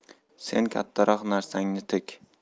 sen kattaroq narsangni tik